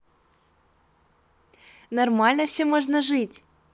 нормально все можно жить